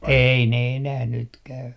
ei ne enää nyt käy